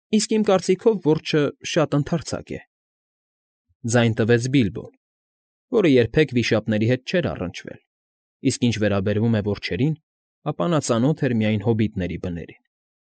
Իսկ իմ կարծիքով որջը շատ ընդարձակ է,֊ ձայն տվեց Բիլբոն (որը երբեք վիշապների հետ չէր առնչվել, իսկ ինչ վերաբերում է որջերին, ապա նա ծանոթ էր միայն հոբիտների բներին)։